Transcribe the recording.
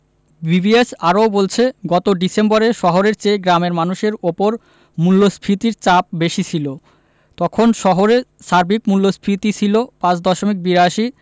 BBS আরও বলছে গত ডিসেম্বরে শহরের চেয়ে গ্রামের মানুষের ওপর মূল্যস্ফীতির চাপ বেশি ছিল তখন শহরে সার্বিক মূল্যস্ফীতি ছিল ৫ দশমিক ৮২